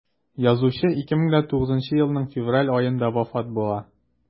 Язучы 2009 елның февраль аенда вафат була.